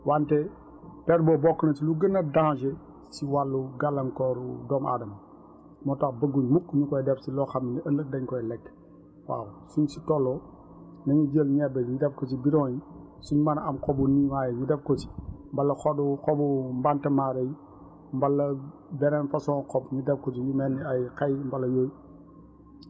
wante per boobu bokk na ci li gën a danger si wàllu gàllankooru doomu Adama moo tax bëgguñu mukk ñu koy def si loo xam ne ëllëg dañ koy lekk waaw suñ si tolloo nañu jël ñebe bi ñu def ko si bidon yi suñ mën a am xobu niimaa yi ñu def ko si wala xobu xobu mbantamaare yi mbala beneen façon xob ñu def ko siyu mel ne ay xay wala yooyu